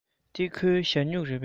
འདི ཁོའི ཞ སྨྱུག རེད པས